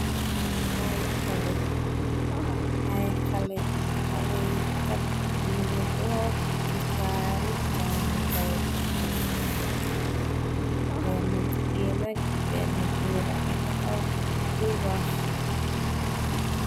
Ay xalèh, xalèh yi kat ñu ngi tóóg ci salli jangèè kai. Benna gigeen ak benna gór ñu ngi taxaw di wax.